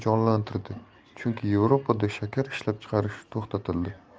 jonlantirdi chunki yevropada shakar ishlab chiqarish to'xtatildi